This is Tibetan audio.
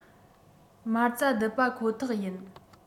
མ རྩ བརྡིབས པ ཁོ ཐག ཡིན